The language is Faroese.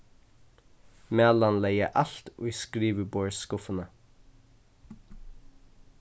malan legði alt í skriviborðsskuffuna